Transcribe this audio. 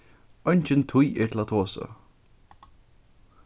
eingin tíð er til at tosa